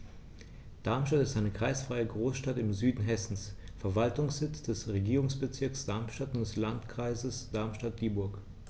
Darmstadt ist eine kreisfreie Großstadt im Süden Hessens, Verwaltungssitz des Regierungsbezirks Darmstadt und des Landkreises Darmstadt-Dieburg.